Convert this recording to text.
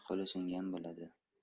qo'li singan biladi